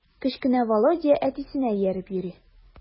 Кечкенә Володя әтисенә ияреп йөри.